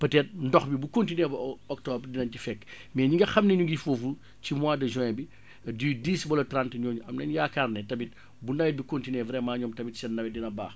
peut être ndox bi bu continuer ba o octobre dinañ ci fekk mais ñi nga xam ne ñu ngi foofu ci mois de juin bi du 10 ba le 30 ñooñu am nañu yaakaar ne tamit bu nawet bi continuer vraiment ñoom tamit seen nawet dina baax